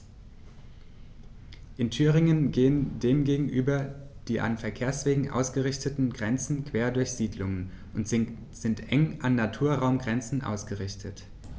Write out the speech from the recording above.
In Thüringen gehen dem gegenüber die an Verkehrswegen ausgerichteten Grenzen quer durch Siedlungen und sind eng an Naturraumgrenzen ausgerichtet.